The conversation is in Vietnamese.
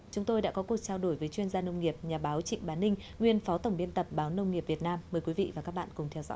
chúng tôi đã có cuộc trao đổi với chuyên gia nông nghiệp nhà báo trịnh bá ninh nguyên phó tổng biên tập báo nông nghiệp việt nam mời quý vị và các bạn cùng theo dõi